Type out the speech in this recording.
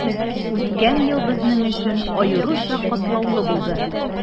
Үткән ел безнең өчен аеруча катлаулы булды.